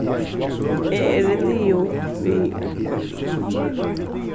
eg eri liðug við uppgávuna